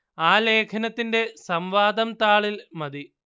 ആ ലേഖനത്തിന്റെ സംവാദം താളില്‍ മതി